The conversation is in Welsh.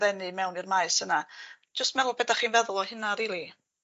ddenu mewn i'r maes yna. Jyst meddwl be' 'dach chi'n feddwl o hynna rili?